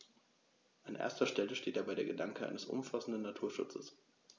An erster Stelle steht dabei der Gedanke eines umfassenden Naturschutzes.